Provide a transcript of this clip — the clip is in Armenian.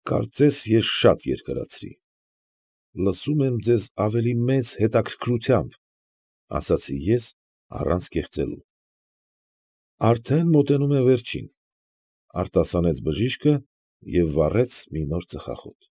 Կարծեմ ես շատ երկարացրի։ ֊ Լսում եմ ձեզ ավելի մեծ հետաքրքրությամբ, ֊ ասացի ես առանց կեղծելու։ ֊ Արդեն մոտենում եմ վերջին, ֊ արտասանեց բժիշկը և վառեց մի նոր ծխախոտ։